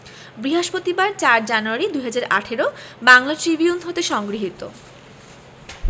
বৃহস্পতিবার ০৪ January ২০১৮ Bangla Tribune হতে সংগৃহীত